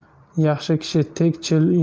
yaxshi kishi tegchil